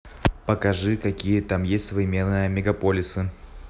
покажи какие там есть современные мегаполисы